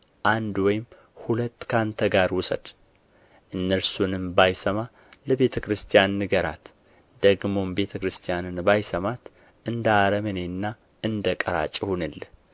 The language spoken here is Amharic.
አንድ ወይም ሁለት ከአንተ ጋር ውሰድ እነርሱንም ባይሰማ ለቤተ ክርስቲያን ንገራት ደግሞም ቤተ ክርስቲያንን ባይሰማት እንደ አረመኔና እንደ ቀራጭ ይሁንልህ